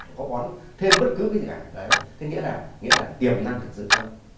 có bón thêm bất cứ cái gì cả đấy thế nghĩa là nghĩa là tiềm năng thực sự trong